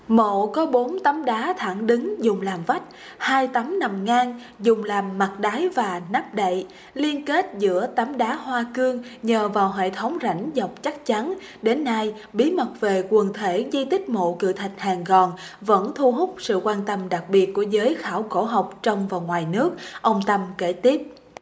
mộ có bốn tấm đá thẳng đứng dùng làm vách hai tấm nằm ngang dùng làm mặt đáy và nắp đậy liên kết giữa tấm đá hoa cương nhờ vào hệ thống rãnh dọc chắc chắn đến nay bí mật về quần thể di tích mộ cự thạch hàng gòn vẫn thu hút sự quan tâm đặc biệt của giới khảo cổ học trong và ngoài nước ông tâm kể tiếp